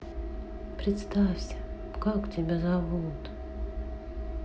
представься как тебя зовут